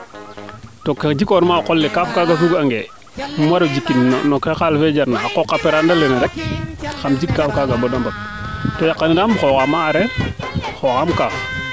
to ke jukoor ma o qol le kaaf kaaga sug ange waro jikin ke xaal fe jarna a qooqa perana lene xan jik kaaf ka bata mbang to yakaniram xoxaam a areer xooxam kaaf